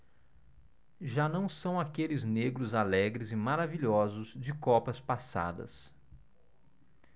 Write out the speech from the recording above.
já não são aqueles negros alegres e maravilhosos de copas passadas